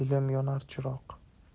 ilm yonar chiroq